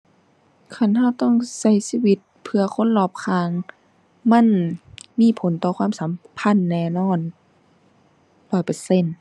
คันเราต้องเราชีวิตเพื่อคนรอบข้าง มันมีผลต่อความสัมพันธ์แน่นอน ร้อยเปอร์เซ็นต์